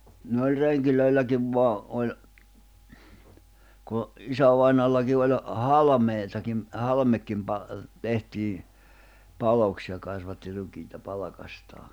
niin oli rengeilläkin vain oli kun isävainajallakin oli halmeitakin halmekin - tehtiin paloksi ja kasvatti rukiita palkastaan